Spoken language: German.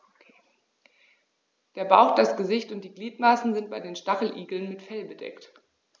Der Bauch, das Gesicht und die Gliedmaßen sind bei den Stacheligeln mit Fell bedeckt.